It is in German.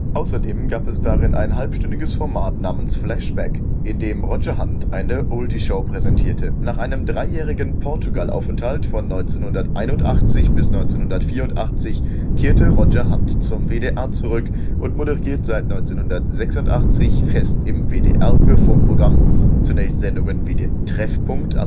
Außerdem gab es darin ein halbstündiges Format namens Flashback, in dem Roger Handt eine Oldieshow präsentierte. Nach einem dreijährigen Portugal-Aufenthalt von 1981 bis 1984 kehrte Roger Handt zum WDR zurück und moderiert seit 1986 fest im WDR-Hörfunkprogramm, zunächst Sendungen wie den Treffpunkt